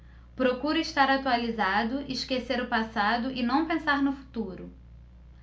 procuro estar atualizado esquecer o passado e não pensar no futuro